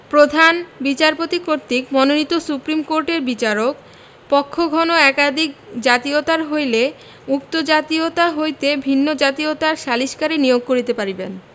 প্রধান বিচারপতি কর্তৃক মনোনীত সুপ্রীম কোর্টের বিচারক পক্ষঘণ একাধিক জাতীয়তার হইলে উক্ত জাতীয়তা হইতে ভিন্ন জাতীয়তার সালিসকারী নিয়োগ করিতে পারিবেন